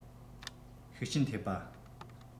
ཤུགས རྐྱེན ཐེབས པ